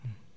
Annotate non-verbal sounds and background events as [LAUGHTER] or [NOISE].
[HESITATION] [HESITATION]